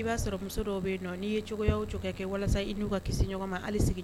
I b'a sɔrɔ muso dɔw bɛ yen nɔ n'i ye cogoya o cogoya kɛ walasa i n'u ka kisi ɲɔgɔn ma hali sigi